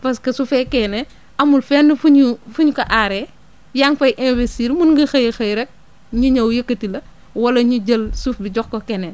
parce que su fekkee ne amul fenn fu ñu fu ñu ko aaree yaa ngi fay investir mun nga xëy a xëy rek ñu ñëw yëkkati la wala ñu jël suuf bi jox ko keneen